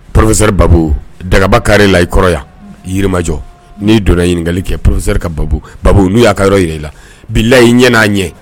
Professeur Babou dagabakare la i kɔrɔ yan jirimajɔ . Ni donna ɲinikali kɛ professeur nu ya ka yɔrɔ yira i la , bilayi i ɲɛ na ɲɛ